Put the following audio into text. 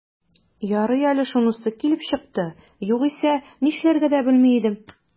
Ярый әле шунысы килеп чыкты, югыйсә, нишләргә дә белми идем...